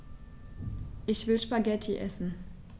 Ich will Spaghetti essen.